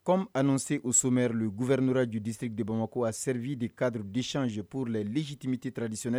Co ani se o somɛl ye guɛnene judise de bamakɔ ko a seriv de kaarudisizepur la lizjitimitira disie